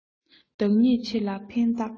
བདག ཉིད ཆེ ལ ཕན བཏགས ན